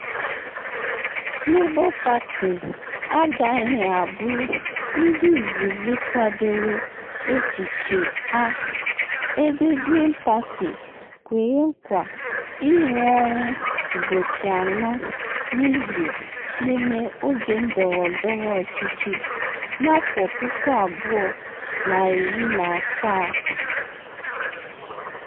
Labour Party agaghị abụ ndị izizi kwadoro echiche a, ebe Green Party kwere nkwa ịrụ ọrụ ụbọchị anọ n’izu n’ime oge ndọrọndọrọ ọchịchị 2017.